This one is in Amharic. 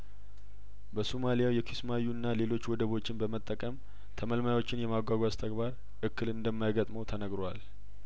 በሶማሊያው የኪስማዩና ሌሎች ወደቦችን በመጠቀም ተመልማዮችን የማጓጓዝ ተግባር እክል እንደማይገጥመው ተናግረዋል